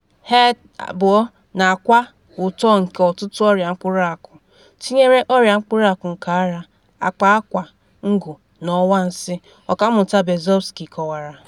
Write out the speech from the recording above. HER2 ”na-akwa uto nke ọtụtụ ọrịa mkpụrụ akụ,” tinyere ọrịa mkpụrụ akụ nke ara, akpa akwa, ngu na ọwa nsi, Ọkammụta Berzofsky kọwara.